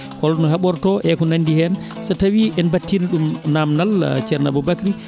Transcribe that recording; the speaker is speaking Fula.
holno heeɓorto eko nandi hen so tawi en battino ɗum namdal ceerno Aboubacry